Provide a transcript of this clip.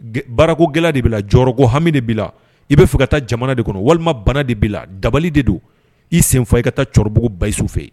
Barako gɛlɛ de bɛ jɔko hami de bɛ i bɛ fɛ ka taa jamana de kɔnɔ walima bana de b' la dabali de don i sen fɔ i ka taa cɛkɔrɔbabugu basisu fɛ yen